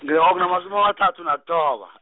nginamasumi amathathu nathoba .